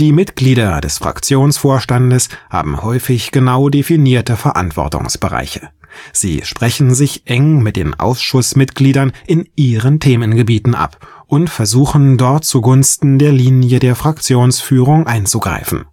Mitglieder des Fraktionsvorstandes haben häufig genau definierte Verantwortungsbereiche: Sie sprechen sich eng mit den Ausschussmitgliedern in „ ihren “Themengebieten ab und versuchen, dort zu Gunsten der Linie der Fraktionsführung einzugreifen